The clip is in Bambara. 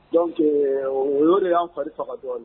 Dɔnke olu de y'an fari faga dɔɔnin